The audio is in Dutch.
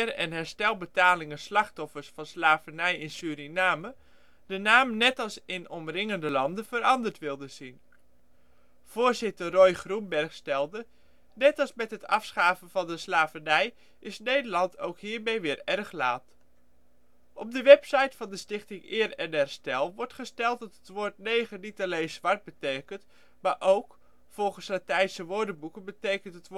en Herstel Betalingen Slachtoffers van Slaverij in Suriname de naam, net als in de omringende landen, veranderd wilde zien. Voorzitter Roy Groenberg stelde: " Net als met het afschaffen van de slavernij is Nederland ook hiermee weer erg laat. " Op de website van de Stichting Eer en Herstel wordt gesteld dat het woord ' neger ' niet alleen ' zwart ' betekent maar ook: " Volgens Latijnse woordenboeken betekent